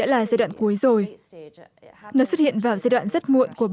là giai đoạn cuối rồi nó xuất hiện vào giai đoạn rất muộn của